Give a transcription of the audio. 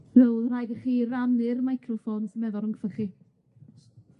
Dwi me'wl by' rhaid i chi rannu'r meicroffon dwi'n meddwl rhwngthoch chi.